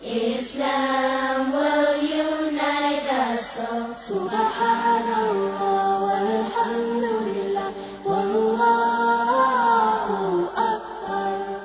Y mɔ y'ninɛ kɛ mɔ